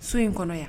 So in kɔnɔ yan